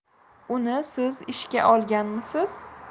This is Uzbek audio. uni siz ishga olganmisiz